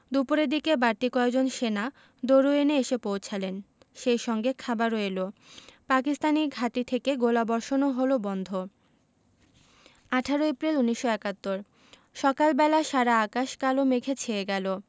দুপুরের দিকে বাড়তি কয়েকজন সেনা দরুইনে এসে পৌঁছালেন সেই সঙ্গে খাবারও এলো পাকিস্তানি ঘাঁটি থেকে গোলাবর্ষণও হলো বন্ধ ১৮ এপ্রিল ১৯৭১ সকাল বেলা সারা আকাশ কালো মেঘে ছেয়ে গেল